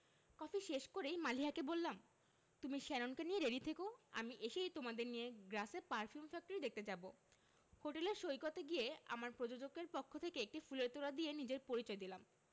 coffee শেষ করেই মালিহাকে বললাম তুমি শ্যাননকে নিয়ে রেডি থেকো আমি এসেই তোমাদের নিয়ে গ্রাসে পারফিউম ফ্যাক্টরি দেখতে যাবো হোটেলের সৈকতে গিয়ে আমার প্রযোজকের পক্ষ থেকে একটি ফুলের তোড়া দিয়ে নিজের পরিচয় দিলাম